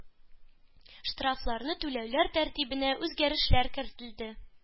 Штрафларны түләү тәртибенә үзгәрешләр кертелде.